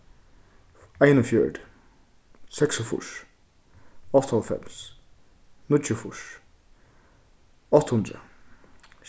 einogfjøruti seksogfýrs áttaoghálvfems níggjuogfýrs átta hundrað